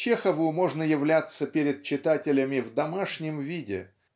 Чехову можно являться перед читателями в домашнем виде